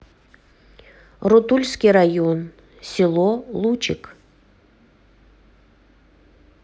рутульский район село лучек